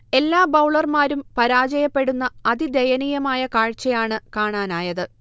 എല്ലാ ബൗളർമാരും പരാജയപ്പെടുന്ന അതിദയനീയമായ കാഴ്ചയാണ് കാണാനായത്